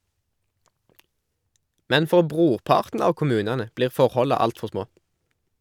Men for brorparten av kommunane blir forholda altfor små.